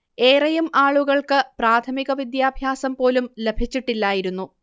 ഏറെയും ആളുകൾക്ക് പ്രാഥമിക വിദ്യാഭ്യാസം പോലും ലഭിച്ചിട്ടില്ലായിരുന്നു